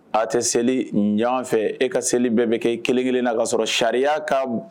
A tɛ seli ɲ fɛ e ka seli bɛɛ bɛ kɛ e kelen kelen na a kaa sɔrɔ sariya ka